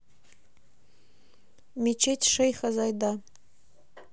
мечеть шейха зайда